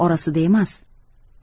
orasida emas